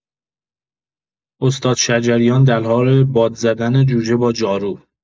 استاد شجریان در حال باد زدن جوجه با جارو!